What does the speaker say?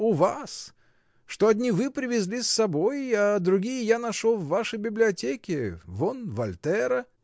у вас: что одни вы привезли с собой, а другие я нашел в вашей библиотеке — вон Вольтера.